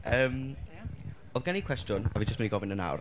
Yym... Da iawn... oedd gen i cwestiwn a fi jyst mynd i gofyn o nawr.